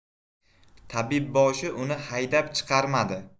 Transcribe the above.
tabibboshi uni haydab chiqarmadi